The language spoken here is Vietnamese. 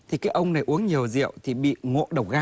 thì cái ông này uống nhiều rượu thì bị ngộ độc gan